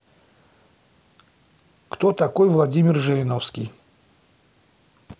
кто такой владимир жириновский